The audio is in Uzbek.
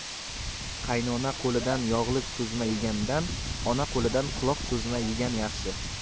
qaynona qo'lidan yog'lik cho'zma yegandan ona qo'lidan quloq cho'zma yegan yaxshi